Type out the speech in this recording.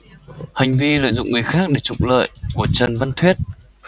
hành vi lợi dụng người khác để trục lợi của trần văn thuyết